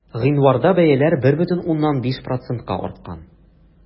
Гыйнварда бәяләр 1,5 процентка арткан.